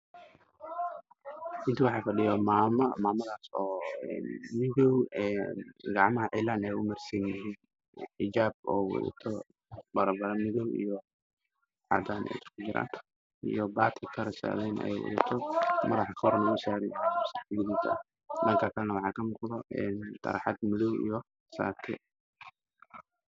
Waxaa islaan meel fadhida oo wada tixraac darbe ka dambeeya waa hadaan